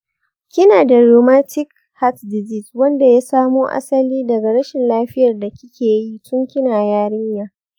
kina da rheumatic heart disease wanda ya samo asali daga rashin lafiyar da kika yi tun kina yarinya.